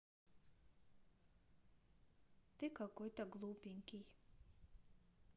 ты какой то глупенький